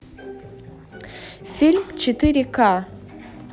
фильм четыре ка